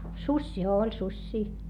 susia oli susia